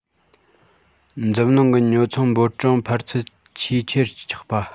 འཛམ གླིང གི ཉོ ཚོང འབོར གྲངས འཕར ཚད ཆེས ཆེར ཆག པ